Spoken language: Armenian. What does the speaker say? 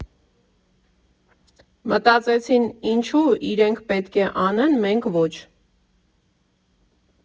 Մտածեցին՝ ինչու՞ իրենք պետք է անեն, մենք՝ ոչ։